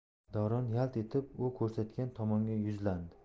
davron yalt etib u ko'rsatgan tomonga yuzlandi